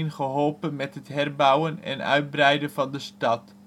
geholpen met het herbouwen en uitbreiden van de stad